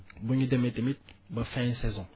bu ñu demee amit ba fin saison